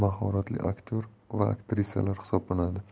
mahoratli aktyor va aktrisalar hisoblanadi